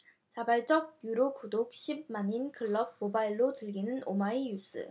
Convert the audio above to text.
자발적 유료 구독 십 만인클럽 모바일로 즐기는 오마이뉴스